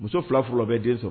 Muso fila fɔlɔ bɛ denmuso